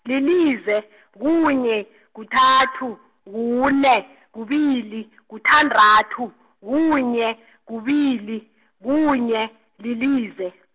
lilize , kunye, kuthathu, kune, kubili, kuthandathu, kunye , kubili, kunye, lilize.